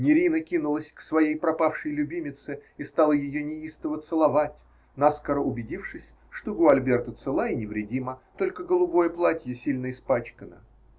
Нерина кинулась к своей пропавшей любимице и стала ее неистово целовать, наскоро убедившись, что Гуальберта цела и невредима, только голубое платье сильно испачкано.